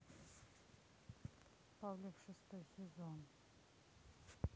павлик шестой сезон